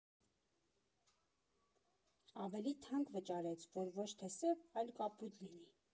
Ավելի թանկ վճարեց, որ ոչ թե սև, այլ կապույտ լինի։